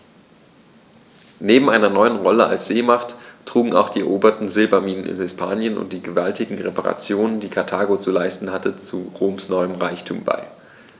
Neben seiner neuen Rolle als Seemacht trugen auch die eroberten Silberminen in Hispanien und die gewaltigen Reparationen, die Karthago zu leisten hatte, zu Roms neuem Reichtum bei.